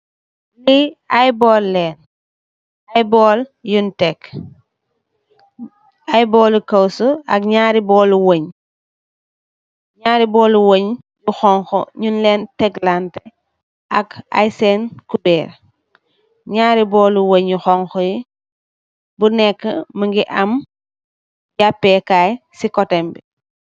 Li aye bowl len aye bowl yun tek aye buli kawsu ak nyarri bowl li wunje nyari bowl li wunj yu xhong khu nyun len tek lanteh ak aye sen kuber nyarri bowl li wunje yu xhong khu bu neka munge ame japeh kai